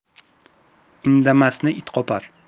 indamasni it qopar